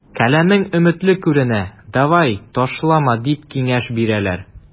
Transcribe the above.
Каләмең өметле күренә, давай, ташлама, дип киңәш бирәләр.